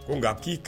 ko nka k'i k